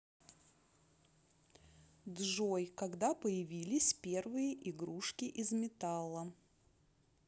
джой когда появились первые игрушки из металла